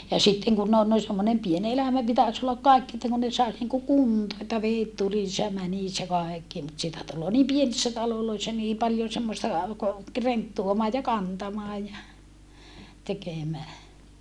ja sitten kun on noin semmoinen pieni elämä pitäisi olla kaikki että kun ne saisi niin kuin kuntoon että vedet tulisi ja menisi ja kaikki mutta sitä tulee niin pienissä taloissa niin paljon semmoista ka renttuamaa ja kantamaa ja tekemää